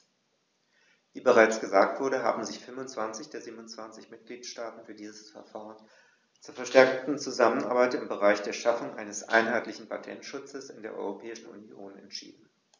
Wie bereits gesagt wurde, haben sich 25 der 27 Mitgliedstaaten für dieses Verfahren zur verstärkten Zusammenarbeit im Bereich der Schaffung eines einheitlichen Patentschutzes in der Europäischen Union entschieden.